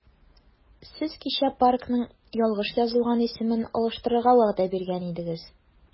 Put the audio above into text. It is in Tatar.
Сез кичә паркның ялгыш язылган исемен алыштырырга вәгъдә биргән идегез.